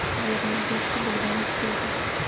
вредные детки богдан и света